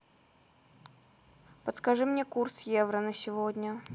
подскажи мне курс евро на сегодня